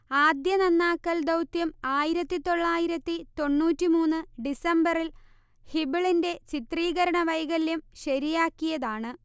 ആദ്യ നന്നാക്കൽ ദൗത്യം ആയിരത്തി തൊള്ളായിരത്തി തൊണ്ണൂറ്റി മൂന്ന് ഡിസംബറിൽ ഹിബിളിന്റെ ചിത്രീകരണ വൈകല്യം ശരിയാക്കിയതാണ്